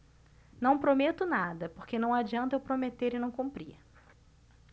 não prometo nada porque não adianta eu prometer e não cumprir